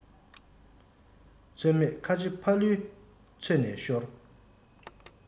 ཚོད མེད ཁ ཆེ ཕ ལུའི ཚོད ནས ཤོར